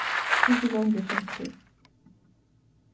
hvussu long er framtíðin